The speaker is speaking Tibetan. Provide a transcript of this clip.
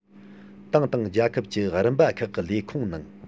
ཏང དང རྒྱལ ཁབ ཀྱི རིམ པ ཁག གི ལས ཁུངས ནང